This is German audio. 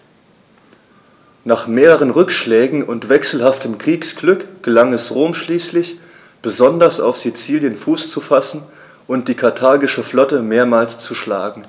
Nach mehreren Rückschlägen und wechselhaftem Kriegsglück gelang es Rom schließlich, besonders auf Sizilien Fuß zu fassen und die karthagische Flotte mehrmals zu schlagen.